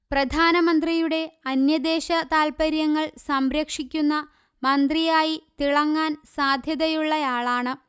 പ്രധാനമന്ത്രിയുടെ അന്യദേശ താല്പര്യങ്ങൾ സംരക്ഷിക്കുന്ന മന്ത്രിയായി തിളങ്ങാൻ സാധ്യതയുള്ളയാളാണ്